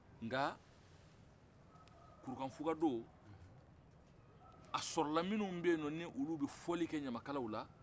nga kurukanfugadon a sɔrɔ la minnu bɛ yennɔ n'olu tun bɛ fɔli kɛ ɲamakalaw la